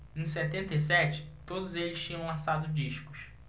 em setenta e sete todos eles tinham lançado discos